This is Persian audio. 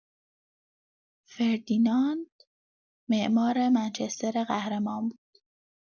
فردیناند معمار منچستر قهرمان بود.